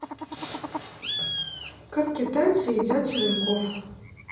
как китайцы едят червяков